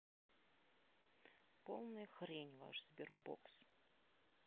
полная хрень ваш sberbox